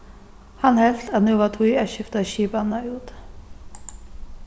hann helt at nú var tíð at skifta skipanina út